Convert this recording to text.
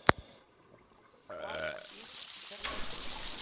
марс из черноты